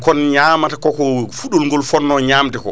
kon ñaamata koko fuɗɗol ngol fonno ñamde ko